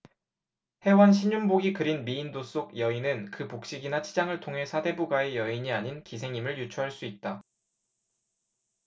혜원 신윤복이 그린 미인도 속 여인은 그 복식이나 치장을 통해 사대부가의 여인이 아닌 기생임을 유추할 수 있다